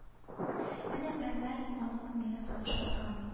Менә бермәл аның күңелен сагыш баскан